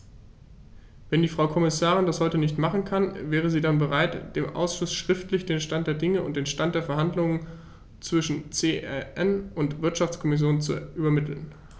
Wenn die Frau Kommissarin das heute nicht machen kann, wäre sie dann bereit, dem Ausschuss schriftlich den Stand der Dinge und den Stand der Verhandlungen zwischen CEN und Wirtschaftskommission zu übermitteln?